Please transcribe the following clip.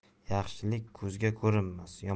yaxshilik ko'zga ko'rinmas